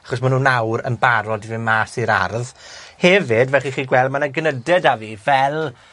achos ma' nw nawr yn barod i fyn' mas i'r ardd. Hefyd, fel chi 'chy gweld ma' 'na gynyde 'da fi fel